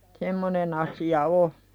semmoinen asia on